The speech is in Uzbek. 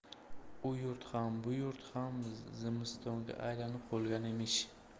u yurt ham bu yurt ham zimistonga aylanib qolgan emish